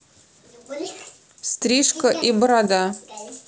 стрижка и борода